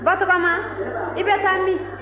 batɔgɔma i bɛ taa min